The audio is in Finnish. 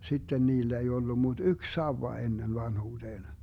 sitten niillä ei ollut mutta yksi sauva ennen vanhuuteen